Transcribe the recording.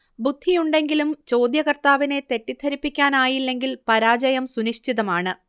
ബുദ്ധിയുണ്ടെങ്കിലും ചോദ്യകർത്താവിനെ തെറ്റിദ്ധരിപ്പിക്കാനായില്ലെങ്കിൽ പരാജയം സുനിശ്ചിതമാണ്